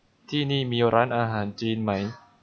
ที่นี่มีร้านอาหารจีนไหม